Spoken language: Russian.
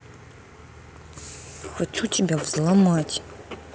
хочу тебя взломать